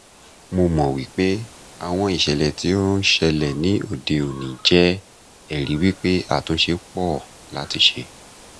Mo mọ̀ wípé àwọn ìṣẹ̀lẹ̀ tí ó ń ṣẹlẹ̀ ní òde òní jẹ́ ẹ̀rí wípé àtúnṣe pọ̀ láti ṣe.